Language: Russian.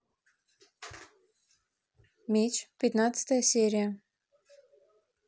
меч пятнадцатая серия